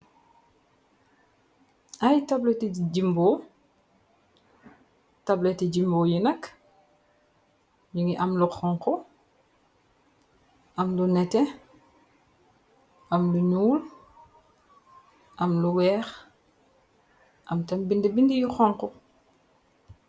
Ay tableti jimbo, tableti jimbo yi nak. Mungi am lu xonk ,am lu nete, am lu nuul ,am lu weex ,am tam bind bindi yu xonk.